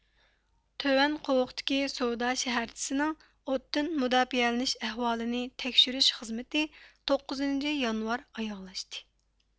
تۆۋەن قوۋۇقتىكى سودا شەھەرچىسىنىڭ ئوتتىن مۇداپىئەلىنىش ئەھۋالىنى تەكشۈرۈش خىزمىتى توققۇزىنچى يانۋار ئاياغلاشتى